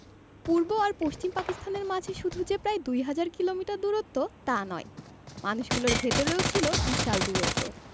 পূর্ব আর পশ্চিম পাকিস্তানের মাঝে শুধু যে প্রায় দুই হাজার কিলোমিটার দূরত্ব তা নয় মানুষগুলোর ভেতরেও ছিল বিশাল দূরত্ব